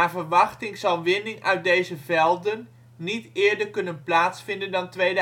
verwachting zal winning uit deze velden niet eerder kunnen plaatsvinden dan 2015